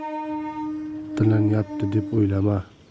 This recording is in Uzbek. tilanyapti deb o'ylama